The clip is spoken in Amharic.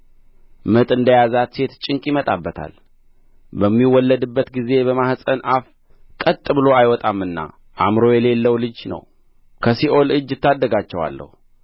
ምጥ እንደ ያዛት ሴት ጭንቅ ይመጣበታል በሚወለድበት ጊዜ በማኅፀን አፍ ቀጥ ብሎ አይወጣምና አእምሮ የሌለው ልጅ ነው ከሲኦል እጅ እታደጋቸዋለሁ